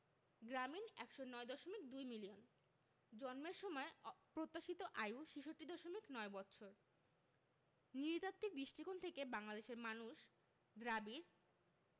গ্রামীণ ১০৯দশমিক ২ মিলিয়ন জন্মের সময় প্রত্যাশিত আয়ু ৬৬দশমিক ৯ বৎসর নৃতাত্ত্বিক দৃষ্টিকোণ থেকে বাংলাদেশের মানুষ দ্রাবিড়